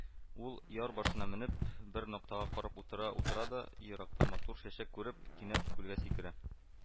Ул яр башына менеп, бер ноктага карап утыра-утыра да, еракта матур чәчәк күреп, кинәт күлгә сикерә